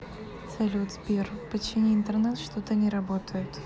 салют сбер почини интернет что то не работает